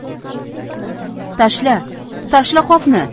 tashla tashla qopni